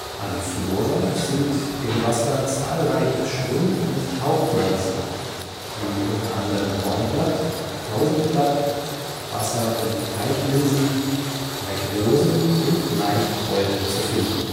An Flora sind im Wasser zahlreiche Schwimm - und Tauchpflanzen, wie unter anderem Hornblatt, Tausendblatt, Wasser - und Teichlinsen, Teichrosen und Laichkräuter zu finden